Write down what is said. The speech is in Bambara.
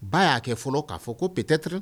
Ba y'a kɛ fɔlɔ k'a fɔ ko ptetr